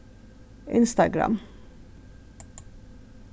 instagram